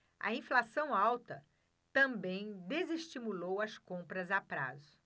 a inflação alta também desestimulou as compras a prazo